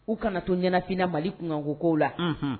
U kana to ɲɛnafinina bali kunkan ko koo la